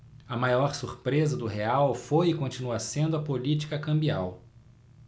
a maior surpresa do real foi e continua sendo a política cambial